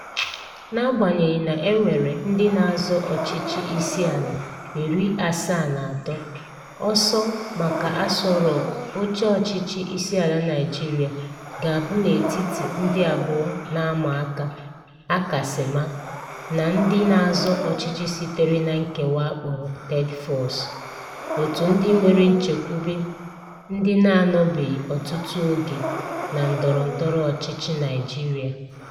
Na-agbanyeghị na e nwere ndị na-azọ ọchịchị isi ala 73, ọsọ maka Aso Rock — oche ọchịchị isi ala Naịjirịa — ga-abụ n'etiti ndị abụọ na-ama aka a kasị maa na ndị na-azọ ọchịchị sitere na nke nwa a kpọrọ "third force", òtù ndị nwere nchekwube ndị na-anọbeghị ọtụtụ oge na ndọrọ ndọrọ ọchịchị naijirịa.